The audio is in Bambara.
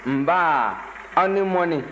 nba aw ni mɔnni